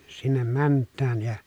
sinne mennään ja